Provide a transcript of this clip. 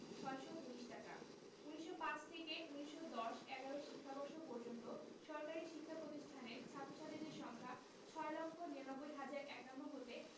৬১৯ টাকা ১৯০৫ থেকে ১৯১০ ১১ শিক্ষাবর্ষ পর্যন্ত সরকারি শিক্ষা প্রতিষ্ঠানের ছাত্র ছাত্রীদের সংখ্যা ৬ লক্ষ ৯৯ হাজার ৫১ হতে